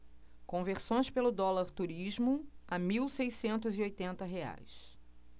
conversões pelo dólar turismo a mil seiscentos e oitenta reais